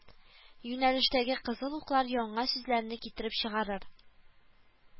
Юнәлештәге кызыл уклар яңа сүзләрне китереп чыгарыр